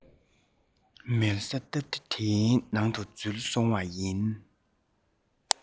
མལ ས སྟབས བདེ དེའི ནང དུ འཛུལ སོང བ ཡིན